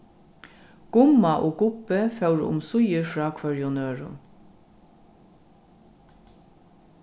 gumma og gubbi fóru umsíðir frá hvørjum øðrum